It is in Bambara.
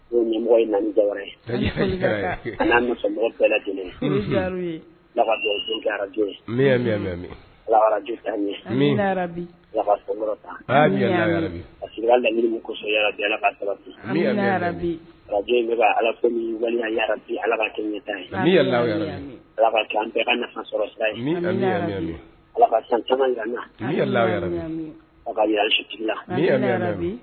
Omɔgɔ'aj a sigira laɲinisɔ araj ala min ala ɲɛ ala an ka caman alasitigi